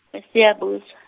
eSiyabus- .